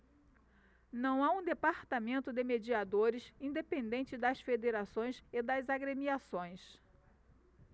não há um departamento de mediadores independente das federações e das agremiações